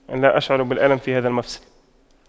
لا أشعر بالألم في هذا المفصل